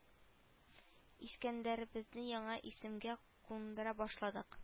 Искәндәребезне яңа исемгә күндерә башладык